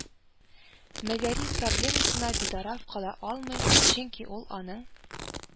Мәгариф проблемасына битараф кала алмый, чөнки ул аның